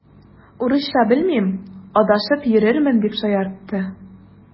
Урысча белмим, адашып йөрермен, дип шаяртты.